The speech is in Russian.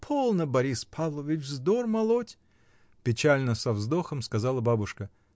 — Полно, Борис Павлович, вздор молоть, — печально, со вздохом сказала бабушка.